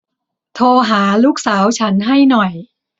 โทรหาลูกสาวฉันให้หน่อย